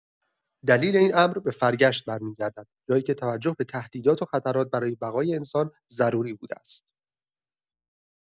دلیل این امر به فرگشت برمی‌گردد، جایی که توجه به تهدیدات و خطرات برای بقای انسان ضروری بوده است.